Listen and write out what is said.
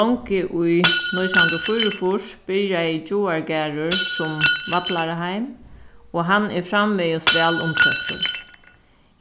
longu í nítjan hundrað og fýraogfýrs byrjaði gjáargarður sum vallaraheim og hann er framvegis væl umtóktur